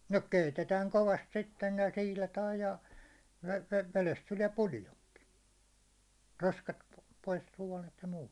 no keitetään kovasti sitten ja siilataan ja - vedestä tulee puljonki roskat - pois suonet ja muut